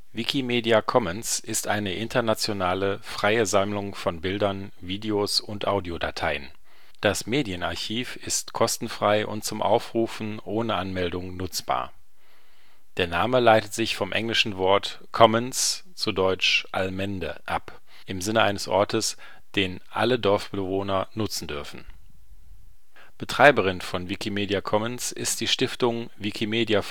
Wikimedia Commons ist eine internationale freie Sammlung von Bildern, Videos und Audiodateien. Das Medienarchiv ist kostenfrei und zum Aufrufen ohne Anmeldung nutzbar. Der Name leitet sich vom englischen Wort “commons” (deutsch: „ Allmende “) ab, im Sinne eines Ortes, den alle Dorfbewohner nutzen dürfen. Betreiberin von Wikimedia Commons ist die Stiftung Wikimedia